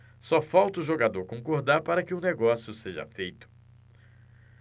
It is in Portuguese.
só falta o jogador concordar para que o negócio seja feito